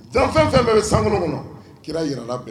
Dan fɛn o fɛn bɛ bɛɛ sankoo kɔnɔ , kira jira la a bɛɛ la.